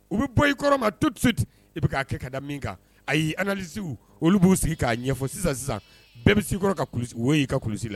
U bɛ bɔ i kɔrɔ ma tobite i bɛ kɛ ka da min kan a y'isin olu b'u sigi k'a ɲɛfɔ sisan sisan bɛɛ bɛ kɔrɔ ka y'i ka kulusi la